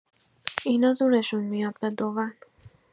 اینا زورشون میاد بدوون.